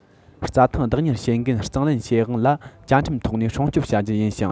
རྩྭ ཐང བདག གཉེར བྱེད འགན གཙང ལེན བྱེད དབང ལ བཅའ ཁྲིམས ཐོག ནས སྲུང སྐྱོང བྱ རྒྱུ ཡིན ཞིང